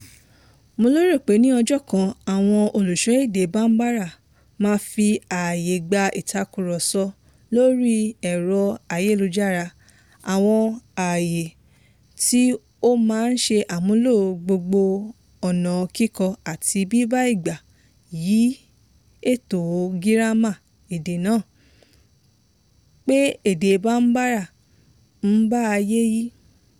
Mo lérò pé ní ọjọ́ kan, àwọn olùsọ èdè Bambara máa fi ààyè gba ìtakùrọsọ lórí ẹ̀rọ ayélujára, àwọn ààyè tí ó máa ń ṣe àmúlò gbogbo ọ̀nà kíkọ àti bíbá ìgbà yí ètò gírámà èdè náà, pé èdè Bambara ń bá ayé yí